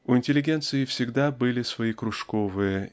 У интеллигенции всегда были свои кружковые